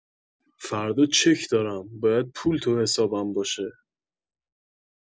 فردا چک دارم باید پول تو حسابم باشه